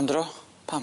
Am dro, pam?